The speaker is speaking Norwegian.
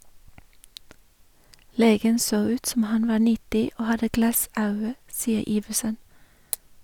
Legen så ut som han var 90 og hadde "glassaua", sier Iversen.